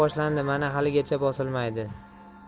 boshlandi mana haligacha bosilmaydi